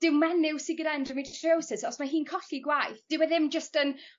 dyw menyw sy gyda endometriosis os ma' hi'n colli gwaith dyw e ddim jyst yn